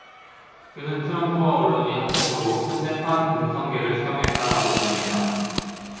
그는 트럼프와 언론이 합동으로 현대판 공성계를 사용했다라고 주장했다